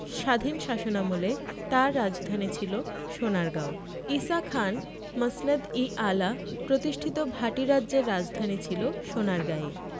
স্বাধীন শাসনামলে তাঁর রাজধানী ছিল সোনারগাঁও ঈসা খান মসনদ ই আলা প্রতিষ্ঠিত ভাটি রাজ্যের রাজধানী ছিল সোনারগাঁয়ে